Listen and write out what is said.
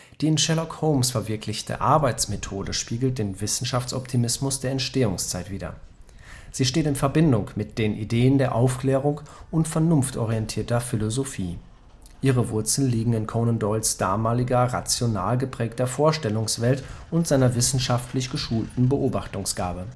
Die in Sherlock Holmes verwirklichte Arbeitsmethode spiegelt den Wissenschaftsoptimismus der Entstehungszeit wider. Sie steht in Verbindung mit den Ideen der Aufklärung und vernunftorientierter Philosophie. Ihre Wurzeln liegen in Conan Doyles damaliger rational geprägter Vorstellungswelt und seiner wissenschaftlich geschulten Beobachtungsgabe